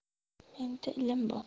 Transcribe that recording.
menda ilm bor